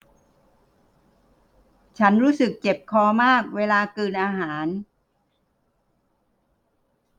ฉันรู้สึกเจ็บคอมากเวลากลืนอาหาร